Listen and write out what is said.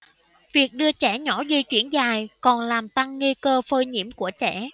việc đưa trẻ nhỏ di chuyển dài còn làm tăng nguy cơ phơi nhiễm của trẻ